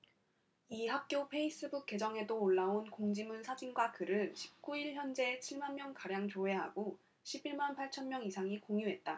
이 학교 페이스북 계정에도 올라온 공지문 사진과 글을 십 구 일 현재 칠 만 명가량 조회하고 십 일 만 팔 천 명 이상이 공유했다